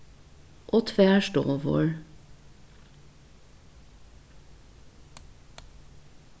og tvær stovur